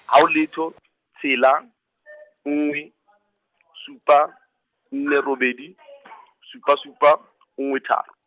hao letho, tshela , nngwe , supa, nne, robedi , supa supa , nngwe tharo.